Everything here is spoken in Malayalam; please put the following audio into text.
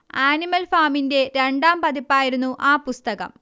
ആനിമൽ ഫാമിന്റെ രണ്ടാം പതിപ്പായിരുന്നു ആ പുസ്തകം